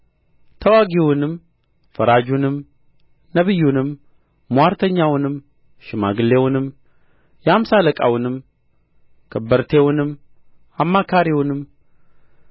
ተዋጊውንም ፈራጁንም ነቢዩንም ምዋርተኛውንም ሽማግሌውንም የአምሳ አለቃውንም ከበርቴውንም አማካሪውንም